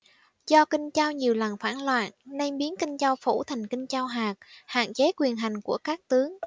do kinh châu nhiều lần phản loạn nên biến kinh châu phủ thành kinh châu hạt hạn chế quyền hành của các tướng